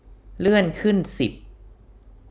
เลื่อนขึ้นสิบ